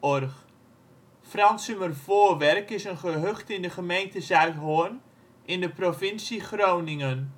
OL Fransumervoorwerk is een gehucht in de gemeente Zuidhorn in de provincie Groningen.